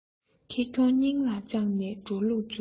ཁེ གྱོང སྙིང ལ བཅངས ནས འགྲོ ལུགས མཛོད